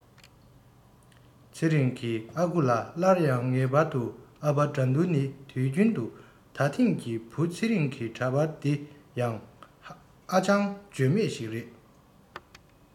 ཚེ རིང གི ཨ ཁུ ལ སླར ཡང ངེས པར དུ ཨ ཕ དགྲ འདུལ ནི དུས རྒྱུན དུ ད ཐེངས ཀྱི བུ ཚེ རིང གི འདྲ པར འདི ཡང ཨ ཅང བརྗོད མེད ཞིག ཡིན